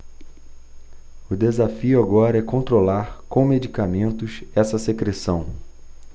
o desafio agora é controlar com medicamentos essa secreção